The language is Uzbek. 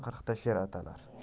qirqida sher atanar